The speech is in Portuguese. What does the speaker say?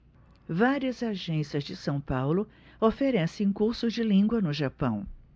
várias agências de são paulo oferecem cursos de língua no japão